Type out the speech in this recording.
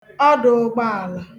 ọdụ̀ụgbọàlà